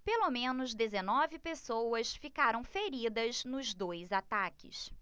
pelo menos dezenove pessoas ficaram feridas nos dois ataques